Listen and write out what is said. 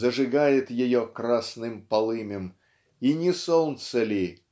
зажигает ее красным полымем и не солнце ли